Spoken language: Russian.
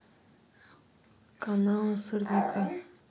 каналы сырника